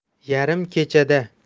yarim kechada